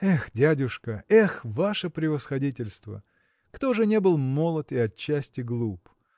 Эх, дядюшка, эх, ваше превосходительство! Кто ж не был молод и отчасти глуп?